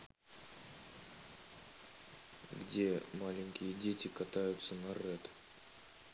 где маленькие дети катаются на red